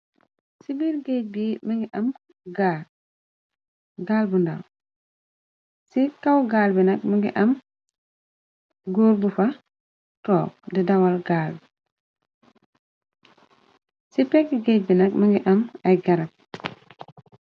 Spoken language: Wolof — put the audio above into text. Ci biir géej bi mu ngi a gaal bu ndaw, ci kaw gaal bi nak mungi am góor bu fa toog di dawal gaal bi. Ci pegg géej bi nak mungi am ay garab.